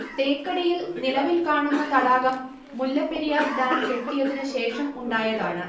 തേക്കടിയിൽ നിലവിൽ കാണുന്ന തടാകം മുല്ലപ്പെരിയാർ ഡാം കെട്ടിയതിന് ശേഷം ഉണ്ടായതാണ്